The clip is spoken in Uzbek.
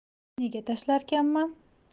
nega tashlarkanman